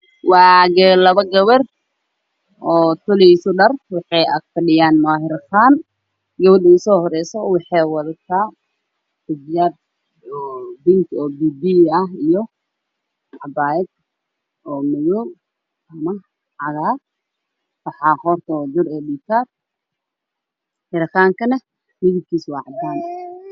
Waxaa ii muuqda labo gabdhood u hayno talayaan harqaan mid waxay wadataa xijabinka ah iyo saaka buluuga gabadha kalana waxay wadataa xijaab dambas ah waxayna tolayaan maryo n